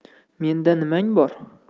menda nimang bor